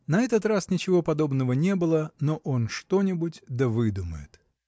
На этот раз ничего подобного не было, но он что-нибудь да выдумает.